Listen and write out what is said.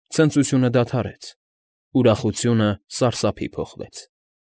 Ցնծությունը դադարեց, ուրախությունը սարսափի փոխվեց։